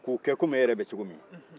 k'o kɛ kom'i yɛrɛ bɛ cogo min na